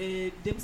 Ɛɛ tɛ